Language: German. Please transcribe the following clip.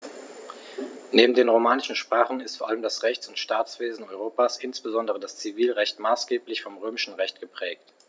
Neben den romanischen Sprachen ist vor allem das Rechts- und Staatswesen Europas, insbesondere das Zivilrecht, maßgeblich vom Römischen Recht geprägt.